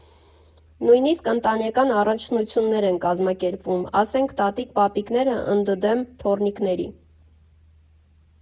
Նույնիսկ ընտանեկան առաջնություններ են կազմակերպվում, ասենք՝ տատիկ֊պապիկները ընդդեմ թոռնիկների։